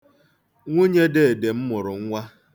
Nwunye deede m mụrụ nwa.